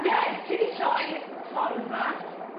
Ie, ti 'di troi ffordd 'ma.